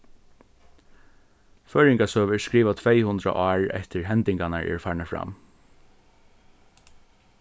føroyingasøga er skrivað tvey hundrað ár eftir hendingarnar eru farnar fram